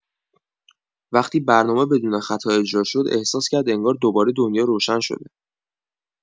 وقتی برنامه بدون خطا اجرا شد، احساس کرد انگار دنیا دوباره روشن شده.